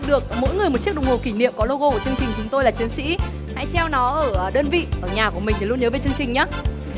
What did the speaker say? được mỗi người một chiếc đồng hồ kỷ niệm có lô gô của chương trình chúng tôi là chiến sĩ hãy treo nó ở đơn vị ở nhà của mình để luôn nhớ về chương trình nhá